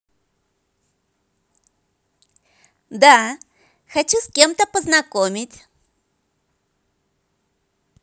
да хочу с кем то познакомить